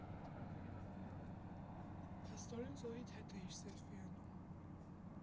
֊ Փաստորեն զոհիդ հետ էիր սելֆի անում…